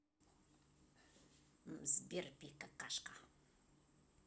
сбер пи какашка